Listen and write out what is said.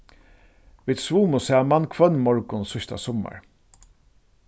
vit svumu saman hvønn morgun síðsta summar